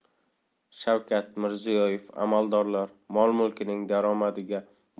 shavkat mirziyoyev amaldorlar mol mulkining